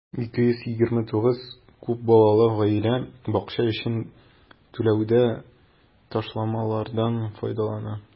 229 күп балалы гаилә бакча өчен түләүдә ташламалардан файдалана.